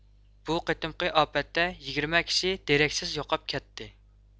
بۇ قېتىمقى ئاپەتتە يىگىرمە كىشى دېرەكسىز يوقاپ كەتتى